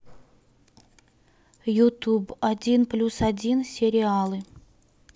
ютуб один плюс один сериалы